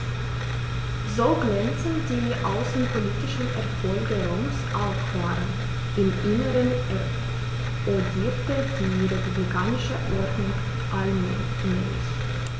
So glänzend die außenpolitischen Erfolge Roms auch waren: Im Inneren erodierte die republikanische Ordnung allmählich.